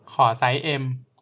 ขอไซส์เอ็ม